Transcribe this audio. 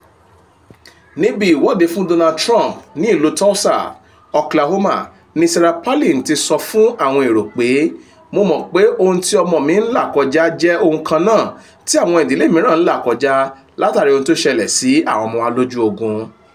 Níbi ìwọ́de fún Donald Trump ní ìlú Tulsa, Oklahoma ni Sarah Palin rí sọ fún àwọn èrò pé “Mo mọ̀ pé ohun tí ọmọ mi ń là kọjá jẹ́ ohun kan náà tí àwọn ìdílé mìíràn là kọjá látàrí ohun tí ó ṣẹlẹ̀ sí àwọn ọmọ wa lójú ogun“